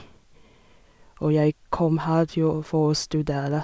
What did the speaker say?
Og jeg kom her jo for å studere.